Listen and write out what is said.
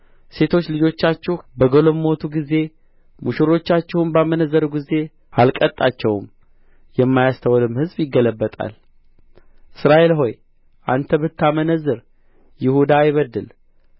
ሴቶች ልጆቻችሁ በገለሞቱ ጊዜ ሙሽሮቻችሁም ባመነዘሩ ጊዜ አልቀጣቸውም የማያስተውልም ሕዝብ ይገለበጣል እስራኤል ሆይ አንተ ብታመነዝር ይሁዳ አይበድል